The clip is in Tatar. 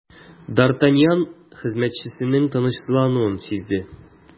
Д’Артаньян хезмәтчесенең тынычсызлануын сизде.